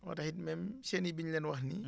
moo taxit même chenille bi ñu leen wax nii